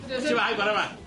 shwmai bora 'ma?